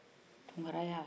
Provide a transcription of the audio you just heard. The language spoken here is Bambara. ya lankolon tɛ